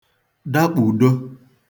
dakpùdo